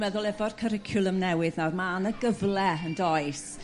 meddwl efo'r cwricwlwm newydd nawr ma' 'na gyfle yndoes?